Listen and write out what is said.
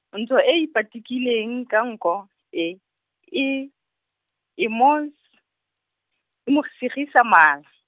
ntho e e ipatikileng ka nko e, e, e mo s-, e mo segisa mala.